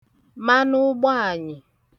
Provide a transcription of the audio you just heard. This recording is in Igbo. manụụgbaànyị̀